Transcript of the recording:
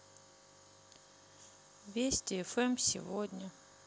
вести фм сегодня